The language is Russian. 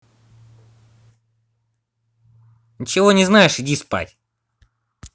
ничего не знаешь иди спать